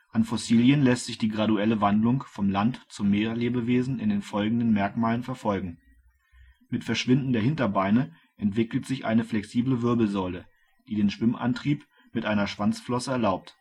An Fossilien lässt sich die graduelle Wandlung vom Land - zum Meerlebewesen an den folgenden Merkmalen verfolgen: Mit Verschwinden der Hinterbeine entwickelt sich eine flexible Wirbelsäule, die den Schwimmantrieb mit einer Schwanzflosse erlaubt